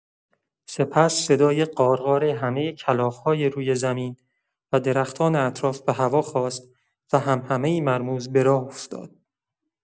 سپس صدای غارغار همه کلاغ‌های روی زمین و درختان اطراف به هوا خاست و همهمه‌ای مرموز به راه افتاد.